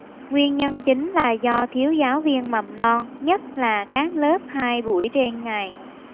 nguyên nhân chính là do thiếu giáo viên mầm non nhất là các lớp hai buổi trên ngày